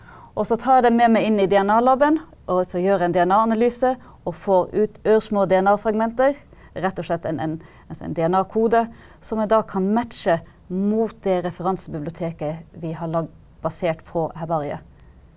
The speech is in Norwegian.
og så tar jeg dem med meg inn i DNA-labben, og så gjør en DNA-analyse og får ut ørsmå DNA-fragmenter, rett og slett en en altså en DNA-kode som jeg da kan matche mot det referansebiblioteket vi har lagd basert på herbariet.